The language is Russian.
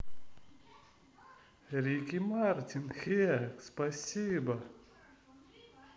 ricky martin the спасибо